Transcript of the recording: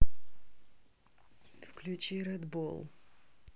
включи ред бол